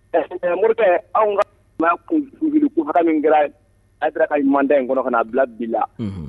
Ɛɛ morikɛ anw ka min kɛra Hayidaraa ka ɲuman tan in kɔnɔ ka n'a bila bi la